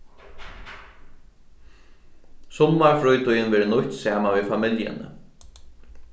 summarfrítíðin verður nýtt saman við familjuni